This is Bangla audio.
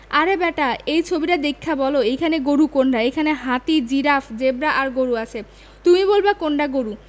আরে ব্যাটা এই ছবিডা দেইখা বলো এইখানে গরু কোনডা এইখানে হাতি জিরাফ জেব্রা আর গরু আছে তুমি বলবা কোনডা গরু